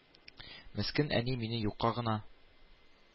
Мескен әни мине юкка гына